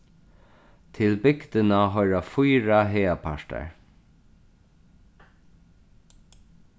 til bygdina hoyra fýra hagapartar